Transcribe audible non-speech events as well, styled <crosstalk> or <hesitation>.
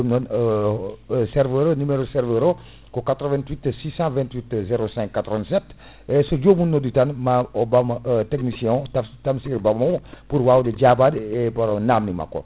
ɗum non <hesitation> serveur o numéro serveur ko 88 628 05 87 eyyi so joomum noddi tan ma o ɓam <hesitation> technicien o Tamsir ɓamamo pour * wawde jaabade e namdi makko